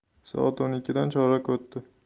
soat o'n ikkidan chorak o'tdi